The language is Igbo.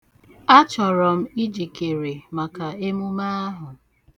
A chọrọ m ijikere maka emume ahụ.